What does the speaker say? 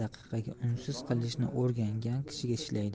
daqiqaga unsiz qilishni o'rgangan kishiga ishlaydi